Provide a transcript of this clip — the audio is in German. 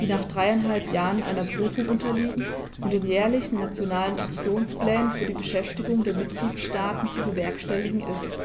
die nach dreieinhalb Jahren einer Prüfung unterliegen, und den jährlichen Nationalen Aktionsplänen für die Beschäftigung der Mitgliedstaaten zu bewerkstelligen ist.